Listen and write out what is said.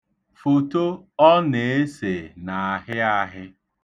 Foto ọ na-ese na-ahị ahị.